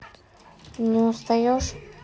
не устаешь